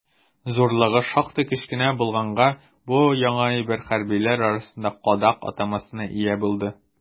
Зурлыгы шактый кечкенә булганга, бу яңа әйбер хәрбиләр арасында «кадак» атамасына ия булды.